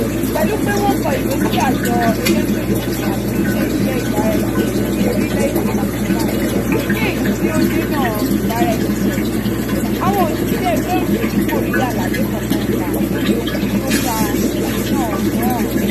Pẹ̀lú pé wọ́n kọ ìwé sí àjọ elétò ìdìbò àti Ilé Iṣẹ́ Ìbáraẹnisọ̀rọ̀ ní orílẹ́ èdè Pakistan (ní èyí tí ó dènà ìbáraẹnisọ̀rọ̀), àwọn òṣìṣẹ́ ẹgbẹ́ òṣèlú kò rí àlàyé kankan gba lórí ohun tí ó fa ìdènà náà.